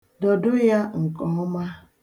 Dọdo ya nke ọma.